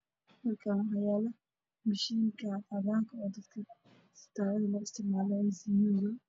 Waa qalabka dadka neefta looga baaro waa uu daaran yahay waana caddaan